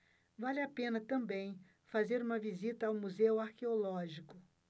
vale a pena também fazer uma visita ao museu arqueológico